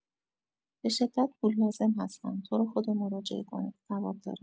به‌شدت پول لازم هستن تروخدا مراجعه کنید ثواب داره